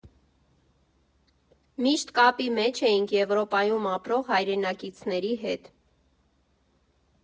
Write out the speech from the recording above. Միշտ կապի մեջ էինք Եվրոպայում ապրող հայրենակիցների հետ.